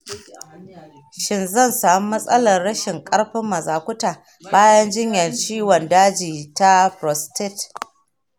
shin zan samu matsalar rashin ƙarfin mazakuta bayan jinyar ciwon daji ta prostate?